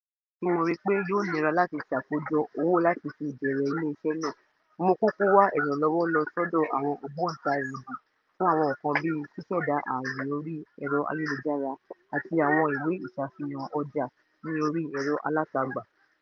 Nígbà tí mo ri pé yóò nira láti ṣàkójọ owó láti fi bẹ̀rẹ̀ iléeṣé náà, mo kúkú wá ìrànlọ́wọ́ lọ sọ́dọ̀ àwọn ògbóntarìgì fún àwọn nǹkan bíi ṣíṣẹda aàyè orí ẹ̀rọ ayélujára àtí àwọn ìwé ìṣafìhàn ọjà ní orí ẹ̀rọ alátagbà.